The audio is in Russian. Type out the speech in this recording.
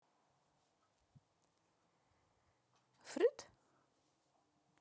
fruit